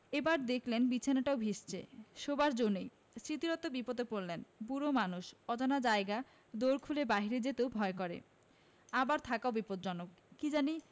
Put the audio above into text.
এবার দেখলেন বিছানাটাও ভিজেছে শোবার জো নেই স্মৃতিরত্ন বিপদে পড়লেন বুড়ো মানুষ অজানা জায়গায় দোর খুলে বাইরে যেতেও ভয় করে আবার থাকাও বিপজ্জনক কি জানি